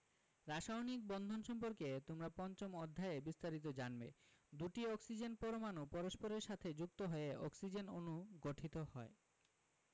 রাসায়নিক বন্ধন সম্পর্কে তোমরা পঞ্চম অধ্যায়ে বিস্তারিত জানবে দুটি অক্সিজেন পরমাণু পরস্পরের সাথে যুক্ত হয়ে অক্সিজেন অণু গঠিত হয়